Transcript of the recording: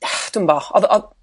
dwmbo o'dd o